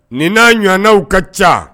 Nin n'a ɲna ka ca